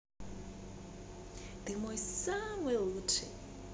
ты мой самый лучший